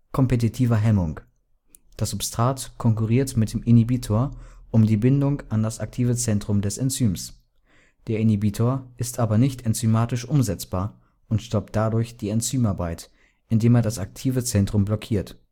kompetitiver Hemmung – das Substrat konkurriert mit dem Inhibitor um die Bindung an das aktive Zentrum des Enzyms. Der Inhibitor ist aber nicht enzymatisch umsetzbar und stoppt dadurch die Enzymarbeit, indem er das aktive Zentrum blockiert